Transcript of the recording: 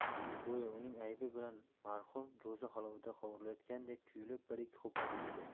go'yo uning aybi bilan marhum do'zax olovida qovurilayotgandek tuyulib bir ikki xo'plam ichdi